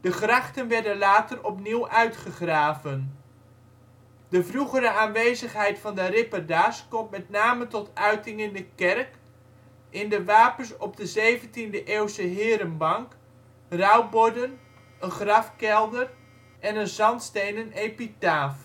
grachten werden later opnieuw uitgegraven. De vroegere aanwezigheid van de Ripperda 's komt met name tot uiting in de kerk; in de wapens op de 17e eeuwse herenbank, rouwborden, een grafkelder en een zandstenen epitaaf